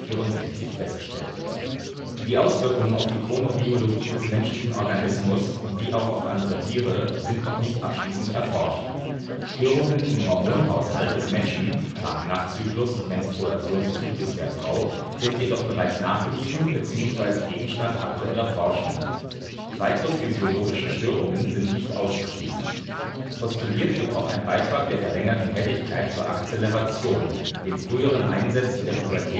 1964). Die Auswirkungen auf die Chronobiologie des menschlichen Organismus (wie auch auf andere Tiere) sind noch nicht abschließend erforscht. Störungen im Hormonhaushalt des Menschen (Tag-Nacht-Zyklus, Menstruationszyklus der Frau) sind jedoch bereits nachgewiesen bzw. Gegenstand aktueller Forschung. Weitere physiologische Störungen sind nicht auszuschließen. Postuliert wird auch ein Beitrag der verlängerten Helligkeit zur Akzeleration, dem früheren Einsetzen der Pubertät